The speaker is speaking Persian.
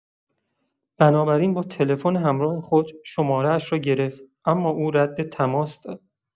بنابراین با تلفن همراه خود شماره‌اش را گرفت، اما او رد تماس داد.